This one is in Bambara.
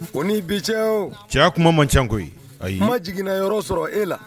O n nii bi ce o cɛ kuma man cago ayi i ma jiginna yɔrɔ sɔrɔ e la